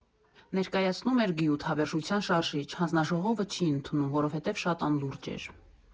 Ներկայացնում էր գյուտ՝ հավերժության շարժիչ, հանձնաժողովը չի ընդունում, որովհետև շատ անլուրջ էր.